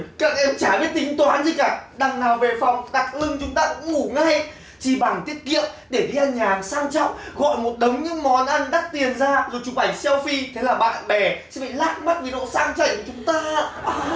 các em chả biết tính toán gì cả đằng nào về phòng đặt lưng chúng ta cũng ngủ ngay chi bằng tiết kiệm để đi ăn nhà hàng sang trọng gọi một đống những món ăn đắt tiền ra rồi chụp ảnh seo phi thế là bạn bè sẽ bị lác mắt vì độ sang trọng của chúng ta